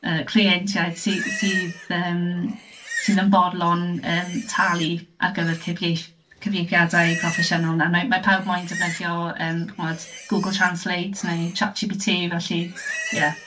yy cleientiaid sy sydd, yym, sydd yn fodlon, yym, talu ar gyfer cyfieith- cyfieithiadau proffesiynol. A mae mae pawb moyn defnyddio, yym, chimod, Google Translate neu chat GPT, felly, ie.